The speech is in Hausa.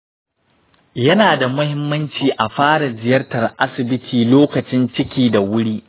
yana da muhimmanci a fara ziyartar asibiti lokacin ciki da wuri.